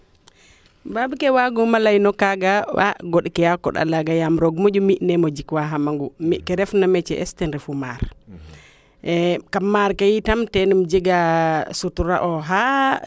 bab ke waaguma ley na kaaga gond ke a konda laaga yaam roog moƴu neemo jik waa xa mangu mi ke ref na metier es ten refu maar kam maar ke itam ten im jega sutura ooxa